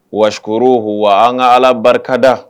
Wagoro wa an ka ala barikada